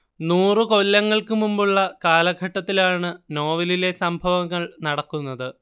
നൂറു കൊല്ലങ്ങൾക്കുമുമ്പുള്ള കാലഘട്ടത്തിലാണ് നോവലിലെ സംഭവങ്ങൾ നടക്കുന്നത്